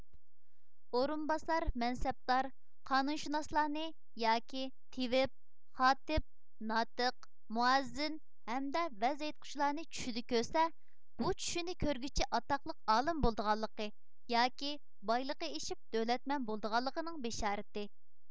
ئورۇنباسار مەنسەپدار قانۇنشۇناسلارنى ياكى تېۋىپ خاتىپ ناتىق مۇئەززىن ھەمدە ۋەز ئېيتقۇچىلارنى چۈشىدە كۆرسە بۇ چۈشنى كۆرگۈچى ئاتاقلىق ئالىم بولىدىغانلىقى ياكى بايلىقى ئېشىپ دۆلەتمەن بولىدىغانلىقىنىڭ بېشارىتى